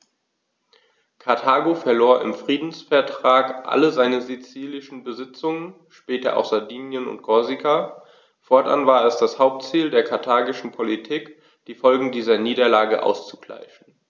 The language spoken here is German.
Karthago verlor im Friedensvertrag alle seine sizilischen Besitzungen (später auch Sardinien und Korsika); fortan war es das Hauptziel der karthagischen Politik, die Folgen dieser Niederlage auszugleichen.